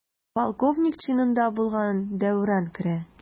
Полковник чинында булган Дәүран керә.